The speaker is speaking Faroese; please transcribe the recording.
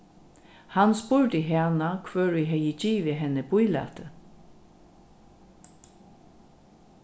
hann spurdi hana hvør ið hevði givið henni bílætið